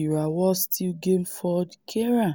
Ìràwọ Still Game Ford Kieran